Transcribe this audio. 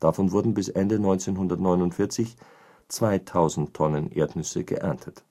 Davon wurden bis Ende 1949 2.000 t Erdnüsse geerntet